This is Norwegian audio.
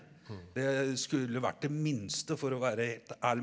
det skulle vært det minste for å være helt.